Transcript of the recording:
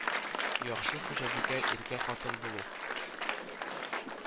Яхшы хуҗабикә, иркә хатын булу